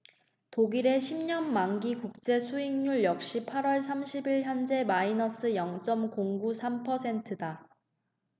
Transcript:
독일의 십 년 만기 국채 수익률 역시 팔 월 삼십 일 현재 마이너스 영 쩜 공 구 삼 퍼센트다